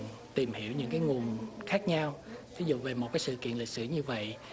tìm hiểu những cái nguồn khác nhau thí dụ về một cái sự kiện lịch sử như vậy